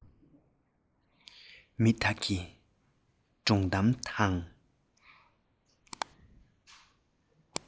མི དག གིས སྒྲུང གཏམ དང